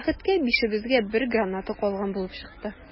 Бәхеткә, бишебезгә бер граната калган булып чыкты.